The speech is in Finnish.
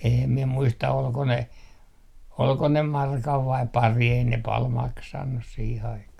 en minä muista oliko ne oliko ne markan vai pari ei ne paljon maksanut siihen aikaan